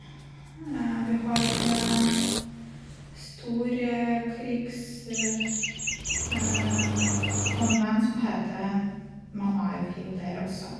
Vi har stor krigsmonument som heter Mamajev Hill der også.